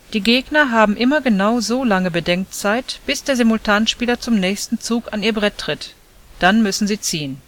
Die Gegner haben immer genau so lange Bedenkzeit, bis der Simultanspieler zum nächsten Zug an ihr Brett tritt, dann müssen sie ziehen